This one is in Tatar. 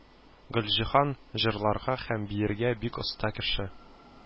Гөлҗиһан җырларга һәм биергә бик оста кеше.